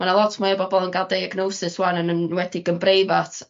Ma' 'na lot mwy o bobol yn ga'l deiagnosis ŵan yn enwedig ym breifat